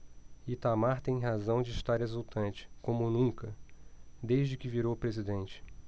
itamar tem razão de estar exultante como nunca desde que virou presidente